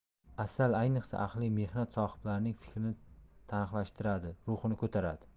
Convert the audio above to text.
asal ayniqsa aqliy mehnat sohiblarining fikrini tiniqlashtiradi ruhini ko'taradi